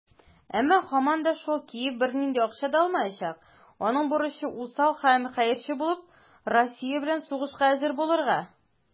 Әмма, һаман да шул, Киев бернинди акча да алмаячак - аның бурычы усал һәм хәерче булып, Россия белән сугышка әзер булырга.